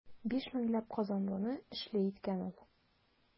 Биш меңләп казанлыны эшле иткән ул.